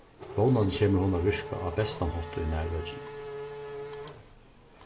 vónandi kemur hon at virka á bestan hátt í nærøkinum